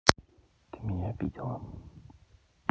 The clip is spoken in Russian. ты меня обидела